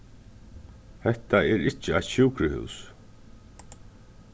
hetta er ikki eitt sjúkrahús